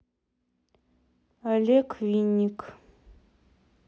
олег винник